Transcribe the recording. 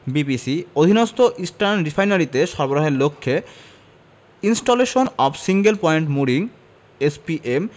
BPC অধীনস্থ eastern রিফাইনারিতে সরবরাহের লক্ষ্যে installation of single point mooring SPM